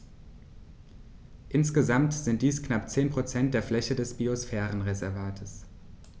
Insgesamt sind dies knapp 10 % der Fläche des Biosphärenreservates.